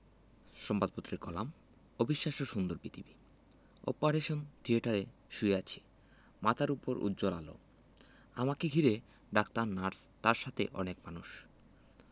সংবাদপত্রের কলাম অবিশ্বাস্য সুন্দর পৃথিবী অপারেশন থিয়েটারে শুয়ে আছি মাথার ওপর উজ্জ্বল আলো আমাকে ঘিরে ডাক্তার নার্স তার সাথে অনেক মানুষ